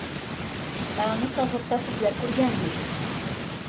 Ә аны сазлыкта күпләр күргән бит.